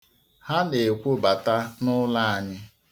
Ha na-ekwobata n'ụlọ anyị.